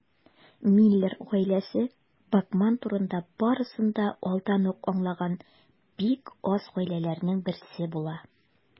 Миллер гаиләсе Бакман турында барысын да алдан ук аңлаган бик аз гаиләләрнең берсе була.